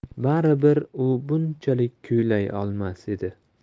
bari bir u bunchalik kuylay olmas edi